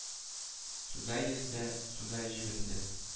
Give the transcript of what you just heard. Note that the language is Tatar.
Суда йөзде, суда җебенде.